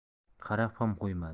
qarab ham qo'ymadi